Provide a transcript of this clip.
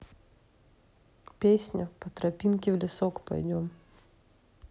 песня по тропинке в лесок пойдем